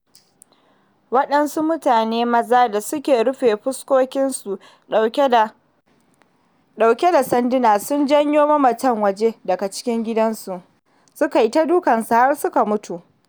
Waɗansu mutane maza da suka rufe fuskokinsu ɗauke da sanduna sun janyo mamatan waje daga cikin gidajensu suka yi ta dukansu har suka mutu.